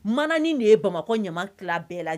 Manani de ye Bamakɔ ɲama tila bɛɛ lajɛ